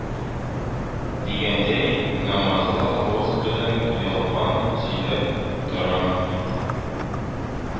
Дигәндәй, намазлы авыз белән ялган сөйләп торам бит